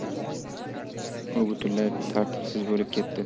u butunlay tartibsiz bo'lib ketdi